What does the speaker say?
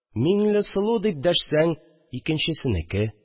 «миңлесылу!» – дип дәшсәң – икенчесенеке